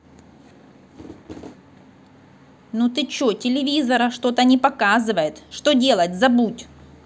ну ты че телевизора что то не показывает что делать забудь